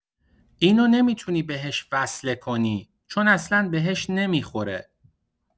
اینو نمی‌تونی بهش وصله کنی، چون اصلا بهش نمی‌خوره.